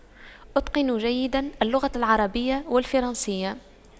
أتقن جيدا اللغة العربية والفرنسية